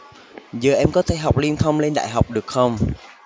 giờ em có thể học liên thông lên đại học được không